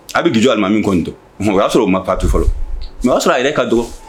A bɛ jidilima min dɔn mɔgɔ o y'a sɔrɔ o ma pa tu fɔlɔ o y'a sɔrɔ a yɛrɛ ka dɔgɔn